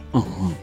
Hhɔn